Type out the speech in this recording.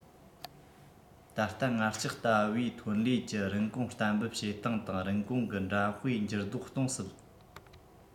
ད ལྟ ངར ལྕགས ལྟ བུའི ཐོན ལས ཀྱི རིན གོང གཏན འབེབས བྱེད སྟངས དང རིན གོང གི འདྲ དཔེ འགྱུར ལྡོག གཏོང སྲིད